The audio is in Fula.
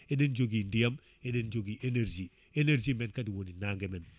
eɗen jogui ndiyam eɗen jogui énergie énergie men kadi woni nangue men